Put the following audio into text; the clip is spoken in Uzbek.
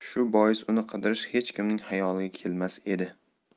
shu bois uni qidirish hech kimning xayoliga kelmas edi